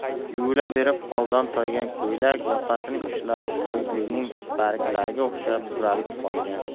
yuvilaverib holdan toygan ko'ylak yoqasining uchlari shoyigulning barglariga o'xshab buralib qolgan